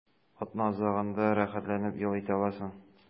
Атна азагында рәхәтләнеп ял итә аласың.